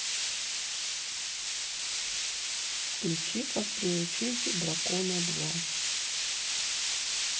включи как приручить дракона два